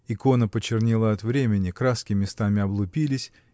Икона почернела от времени, краски местами облупились